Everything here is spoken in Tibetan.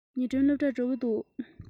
ཉི སྒྲོན སློབ གྲྭར འགྲོ གི འདུག